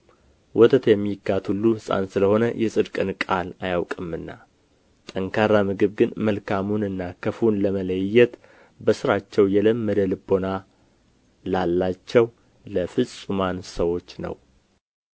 ወተት የሚጋት ሁሉ ሕፃን ስለ ሆነ የጽድቅን ቃል አያውቅምና ጠንካራ ምግብ ግን መልካሙንና ክፉውን ለመለየት በስራቸው የለመደ ልቡና ላላቸው ለፍጹማን ሰዎች ነው